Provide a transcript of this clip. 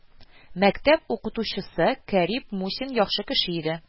Мәктәп укытучысы Карип Мусин яхшы кеше иде